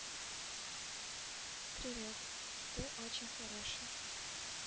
привет ты очень хороший